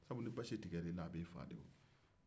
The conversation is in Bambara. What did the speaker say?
sabu ni basi tigɛ la i la a bɛ i faga de woo